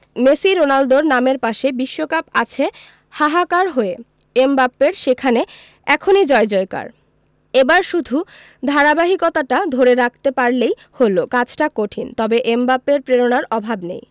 Messi রোনালদোর নামের পাশে বিশ্বকাপ আছে হাহাকার হয়ে এমবাপ্পের সেখানে এখনই জয়জয়কার এবার শুধু ধারাবাহিকতাটা ধরে রাখতে পারলেই হলো কাজটা কঠিন তবে এমবাপ্পের প্রেরণার অভাব নেই